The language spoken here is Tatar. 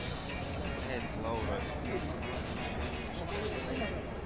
Әйт, Лаура, син соң Ничә яшьтә